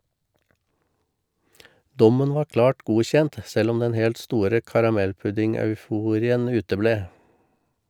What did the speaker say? Dommen var klart godkjent , selv om den helt store karamellpudding-euforien uteble.